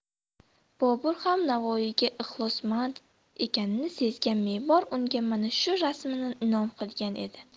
bobur ham navoiyga ixlosmand ekanini sezgan memor unga mana shu rasmni inom qilgan edi